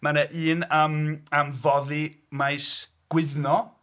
Mae 'na un am... am foddi Maes Gwyddno.